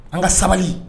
An ka sabali